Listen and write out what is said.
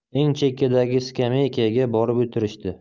eng chekkadagi skameykaga borib o'tirishdi